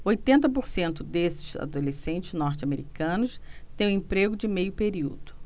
oitenta por cento desses adolescentes norte-americanos têm um emprego de meio período